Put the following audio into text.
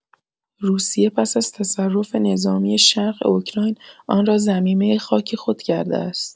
روسیه پس از تصرف نظامی شرق اوکراین، آن را ضمیمه خاک خود کرده است.